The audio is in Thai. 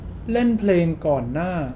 เล่นเพลงก่อนหน้า